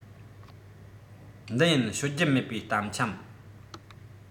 འདི ཡིན ཤོད རྒྱུ མེད པའི གཏམ འཁྱམས